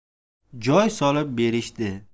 joy solib berishdi